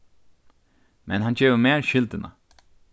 men hann gevur mær skyldina